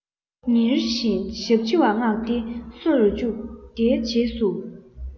ཉིན རེ བཞིན ཞབས ཕྱི བ མངགས ཏེ གསོ རུ བཅུག དེའི རྗེས སུ